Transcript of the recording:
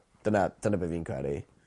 Dyna dyna be' fi'n credu.